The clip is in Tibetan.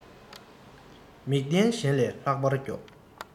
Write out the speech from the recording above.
མིག ལྡན གཞན ལས ལྷག པར མགྱོགས